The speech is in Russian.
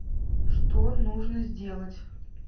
что нужно сделать